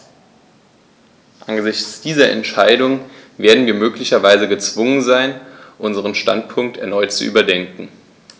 Angesichts dieser Entscheidung werden wir möglicherweise gezwungen sein, unseren Standpunkt erneut zu überdenken.